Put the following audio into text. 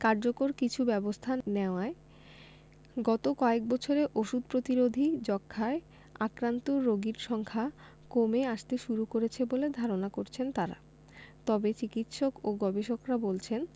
কার্যকর কিছু ব্যবস্থা নেয়ায় গত কয়েক বছরে ওষুধ প্রতিরোধী যক্ষ্মায় আক্রান্ত রোগীর সংখ্যা কমে আসতে শুরু করেছে বলে ধারণা করছেন তারা তবে চিকিৎসক ও গবেষকরা বলছেন